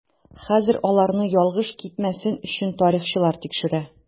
Хәзер аларны ялгыш китмәсен өчен тарихчылар тикшерә.